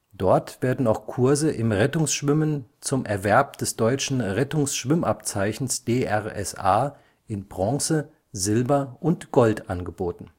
Dort werden auch Kurse im Rettungsschwimmen zum Erwerb des Deutschen Rettungsschwimmabzeichens DRSA in Bronze, Silber und Gold angeboten